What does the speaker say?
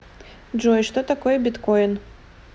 джой что такое биткоин